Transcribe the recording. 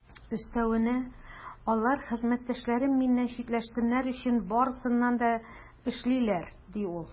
Өстәвенә, алар хезмәттәшләрем миннән читләшсеннәр өчен барысын да эшлиләр, - ди ул.